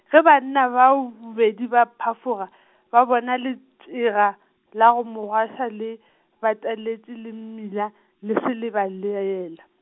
ge banna bao bobedi ba phafoga , ba bona lefšega, la go Mogwaša le, bataletše le mmila, le se le ba laele.